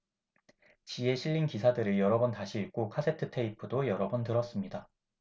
지에 실린 기사들을 여러 번 다시 읽고 카세트테이프도 여러 번 들었습니다